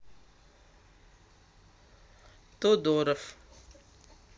тодоров